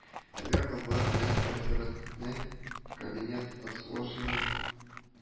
Сезгә кызлар белән мөнәсәбәтнең кабинет ысулы ошыймы